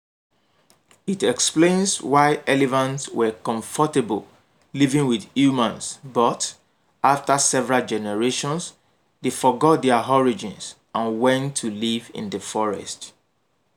It explains why elephants were comfortable living with humans but, after several generations, they forgot their origins and went to live in the forest.